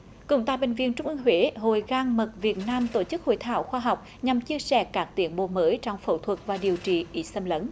cũng tại bệnh viện trung ương huế hội gan mật việt nam tổ chức hội thảo khoa học nhằm chia sẻ các tiến bộ mới trong phẫu thuật và điều trị ít xâm lấn